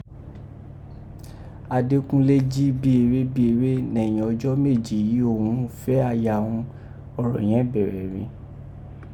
Adékúnlé ji bi ere bi ere nẹ̀yin ọjọ meji yìí òghun fẹ aya òghun ọrọ yẹ̀n bẹrẹ rin.